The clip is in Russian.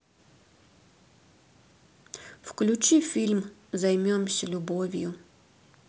включи фильм займемся любовью